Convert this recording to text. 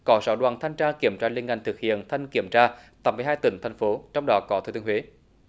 có sáu đoàn thanh tra kiểm tra liên ngành thực hiện thanh kiểm tra tập mười hai tỉnh thành phố trong đó có thừa thiên huế